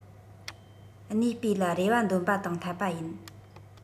གནས སྤོས ལ རེ བ འདོན པ དང འཐད པ ཡིན